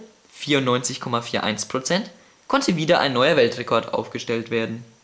94,41 %) konnte wieder ein neuer Weltrekord aufgestellt werden